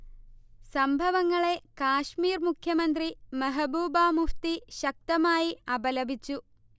സംഭവങ്ങളെ കശ്മീർ മുഖ്യമന്ത്രി മെഹ്ബൂബ മുഫ്തി ശക്തമായി അപലപിച്ചു